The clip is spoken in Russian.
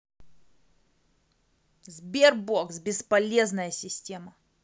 sberbox бесполезная система